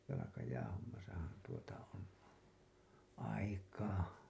jalkajäähommassahan tuota on aikaa